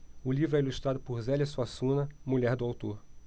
o livro é ilustrado por zélia suassuna mulher do autor